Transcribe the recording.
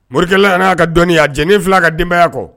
Morikɛ an n'a ka dɔnni a jɛeni fila ka denbayaya kɔ